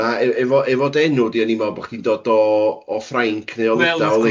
Na ef- efo efo dy enw di o'n i'n meddwl bod chdi'n dod o o Ffrainc neu o Lydaw 'li.